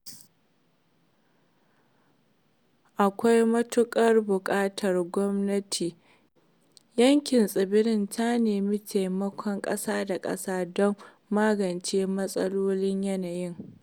Akwai matuƙar buƙatar gwamnatin yankin tsibirin ta nemi taimakon ƙasa da ƙasa don magance matsalolin yanayi.